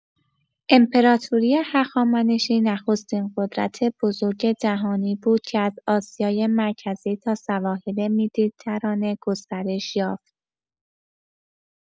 امپراتوری هخامنشی نخستین قدرت بزرگ جهانی بود که از آسیای مرکزی تا سواحل مدیترانه گسترش یافت.